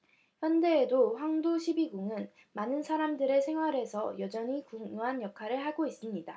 현대에도 황도 십이궁은 많은 사람들의 생활에서 여전히 중요한 역할을 하고 있습니다